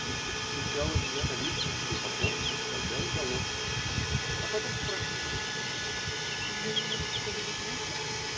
Биче встречала меня на лестнице и покорно подставляла головку, а потом спрашивала:-- Синьорино что-нибудь нужно?